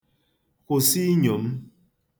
Kwụsị inyo m.